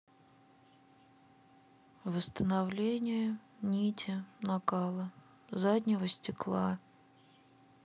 восстановление нити накала заднего стекла